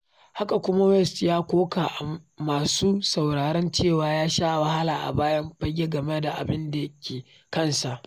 Haka kuma, West ya koka a masu sauraron cewa ya sha wahala a bayan fage game da abin da ke kan nasa.